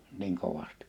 niin kovasti